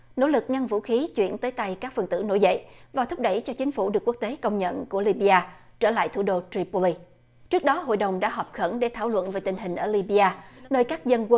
nỗ lực ngăn vũ khí chuyển tới tay các phần tử nổi dậy và thúc đẩy cho chính phủ được quốc tế công nhận của li by a trở lại thủ đô tri pô li trước đó hội đồng đã họp khẩn để thảo luận về tình hình ở li by a nơi các dân quân